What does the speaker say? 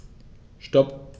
Stop.